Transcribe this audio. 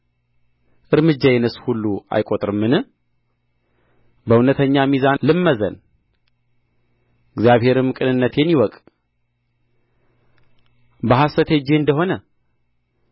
እርምጃዬንስ ሁሉ አይቈጥርምን በእውነተኛ ሚዛን ልመዘን እግዚአብሔርም ቅንነቴን ይወቅ በሐሰት ሄጄ እንደ ሆነ